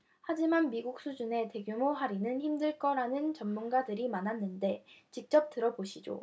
하지만 미국 수준의 대규모 할인은 힘들 거라는 전문가들이 많았는데 직접 들어보시죠